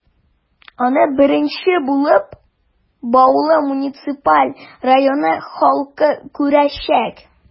Аны беренче булып, Баулы муниципаль районы халкы күрәчәк.